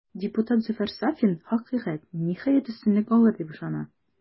Депутат Зөфәр Сафин, хакыйкать, ниһаять, өстенлек алыр, дип ышана.